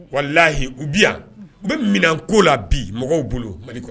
Wala lahi u bi yan u bɛ minɛnan ko la bi mɔgɔw bolo mali